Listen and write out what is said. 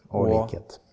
og likhet.